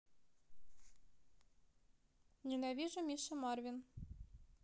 ненавижу миша марвин